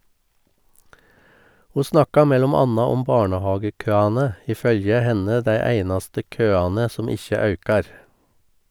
Ho snakka mellom anna om barnehagekøane , i følgje henne dei einaste køane som ikkje aukar.